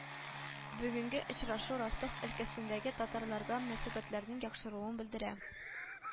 Бүгенге очрашу Ростов өлкәсендәге татарларга мөнәсәбәтләрнең яхшыруын белдерә